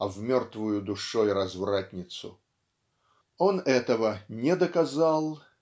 а в мертвую душой развратницу. Он этого не доказал